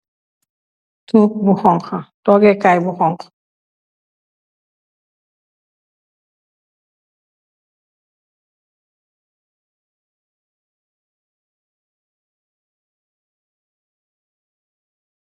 Tohgu bu xonxu, tohgeh Kai bu xonxu.